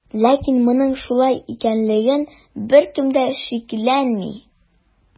Ләкин моның шулай икәнлегенә беркем дә шикләнми.